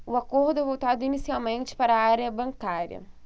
o acordo é voltado inicialmente para a área bancária